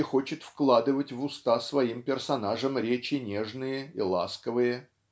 где хочет вкладывать в уста своим персонажам речи нежные и ласковые.